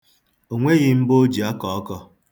O nweghị mbọ o ji akọ ọkọ ahụ.